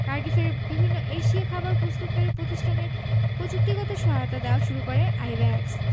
কার্ডিফের বিভিন্ন এশীয় খাবার প্রস্তুতকারী প্রতিষ্ঠানে প্রযুক্তিগত সহায়তা দেওয়া শুরু করে আইব্যাকস